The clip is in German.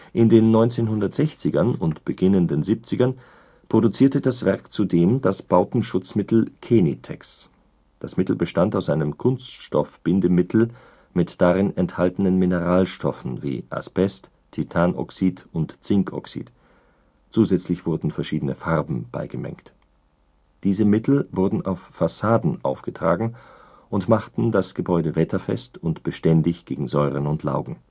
In den 1960ern und beginnenden 1970ern produzierte das Werk zudem das Bautenschutzmittel Kenitex. Das Mittel bestand aus einem Kunststoff-Bindemittel mit darin enthaltenen Mineralstoffen wie Asbest, Titanoxid und Zinkoxid, zusätzlich wurden verschiedene Farben beigemengt. Dieses Mittel wurde auf Fassaden aufgetragen und machte das Gebäude wetterfest und beständig gegen Säuren und Laugen